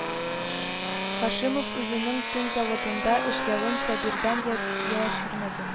Һашимов үзенең күн заводында эшләвен Сабир-дан яшермәде